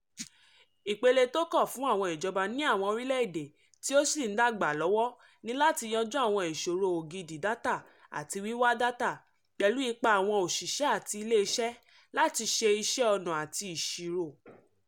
Ìpele tí ó kàn fún àwọn ìjọba ní àwọn orílẹ̀ èdè tí ó sì ń dàgbà lọ́wọ́ ni láti yanjú àwọn ìṣòro ògidì dátà àti wíwà dátà, pẹ̀lú ipá àwọn òṣìṣẹ́ àti ilé iṣẹ́ láti ṣe iṣẹ́ ọnà àti ìṣirò.